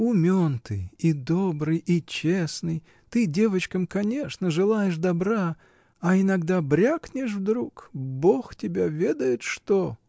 Умен ты, и добрый, и честный: ты девочкам, конечно, желаешь добра, а иногда брякнешь вдруг — Бог тебя ведает что!